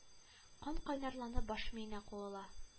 Кан кайнарланып баш миенә куыла